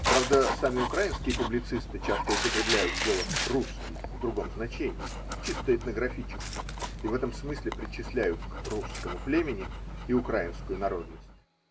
Правда, сами украинские публицисты часто употребляют слово русский в другом значении, чисто этнографическом, и в этом смысле причисляют к русскому племени и украинскую народность.